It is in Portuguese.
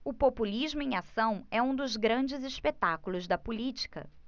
o populismo em ação é um dos grandes espetáculos da política